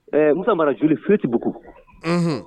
Ɛɛ muso mana joli fi tɛbuguku